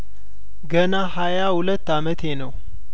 ገና ሀያሁለት አመቴ ነው